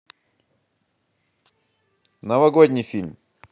новогодний фильм